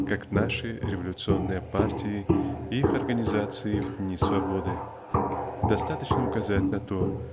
как наши революционные партии и их организации в дни свободы. Достаточно указать на то